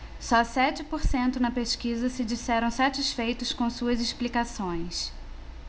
só sete por cento na pesquisa se disseram satisfeitos com suas explicações